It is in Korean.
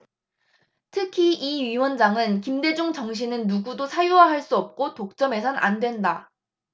특히 이 위원장은 김대중 정신은 누구도 사유화 할 수 없고 독점해선 안 된다